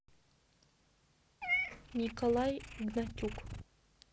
николай гнатюк